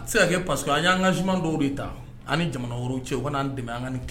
A tɛ se ka kɛ parce que an ye engagement dɔw de ta ani jamana wɛrɛw cɛ,u ka na an dɛmɛ an ni